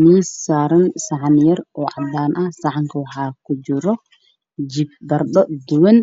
Miis saaran saxan yar oo cadaan ah saxanka waxaa ku jira baradho duban